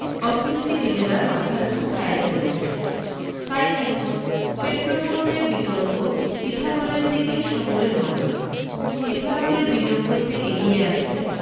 অর্থনীতিবিদেরা মাথার ঘাম পায়ে ফেলছেন তাই এখন পেট্রোপণ্যের বিকল্প ইথানলের দিকে সকলের নজর ইথানলে বিনিয়োগ করতে এগিয়ে আসছেন